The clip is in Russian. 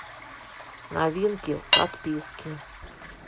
новинки подписки